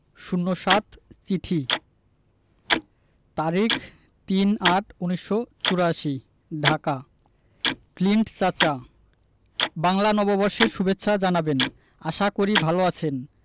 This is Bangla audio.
০৭ চিঠি তারিখ ৩-৮-১৯৮৪ ঢাকা ক্লিন্ট চাচা বাংলা নববর্ষের সুভেচ্ছা জানাবেন আশা করি ভালো আছেন